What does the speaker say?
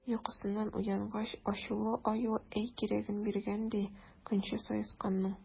Йокысыннан уянгач, ачулы Аю әй кирәген биргән, ди, көнче Саесканның!